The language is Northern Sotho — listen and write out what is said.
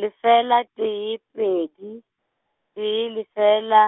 lefela tee pedi, tee lefela, ,